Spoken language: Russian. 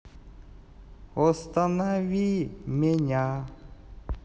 останови меня